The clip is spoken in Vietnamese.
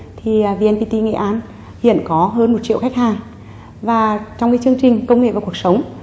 thì vi en bi ti nghệ an hiện có hơn một triệu khách hàng và trong cái chương trình công nghệ và cuộc sống